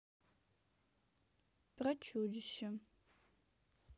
про чудище